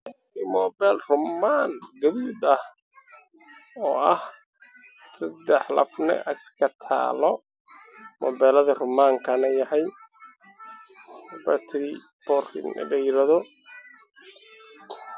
Waa sawir xayeysiin waxaa ii muuqda taleefan yahay guduud oo qaado saddex sankaar